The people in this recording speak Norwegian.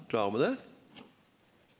klarar me det?